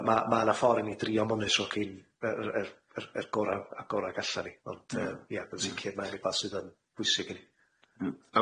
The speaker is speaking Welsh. Ma' 'na ma' ma' 'na ffor i ni drio monitro gin yr yr yr yr gora a gora gallan ni ond yy ia yn sicir ma'n wbath sydd yn bwysig i ni.